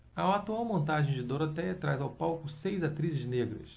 a atual montagem de dorotéia traz ao palco seis atrizes negras